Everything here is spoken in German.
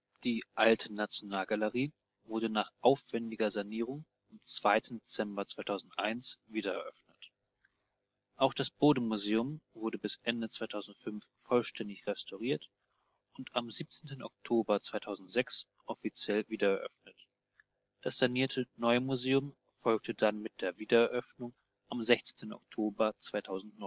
Die Alte Nationalgalerie wurde nach aufwendiger Sanierung am 2. Dezember 2001 wiedereröffnet. Auch das Bode-Museum wurde bis Ende 2005 vollständig restauriert und am 17. Oktober 2006 offiziell wiedereröffnet, das sanierte Neue Museum folgte dann mit der Wiedereröffnung am 16. Oktober 2009